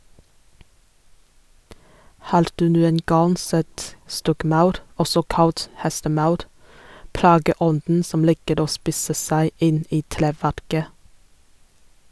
Har du noen gang sett stokkmaur, også kalt hestemaur, plageånden som liker å spise seg inn i treverket?